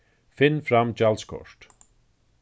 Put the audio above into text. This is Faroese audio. finn fram gjaldskort